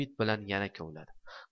umid bilan yana kovladi